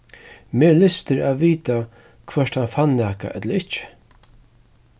meg lystir at vita hvørt hann fann nakað ella ikki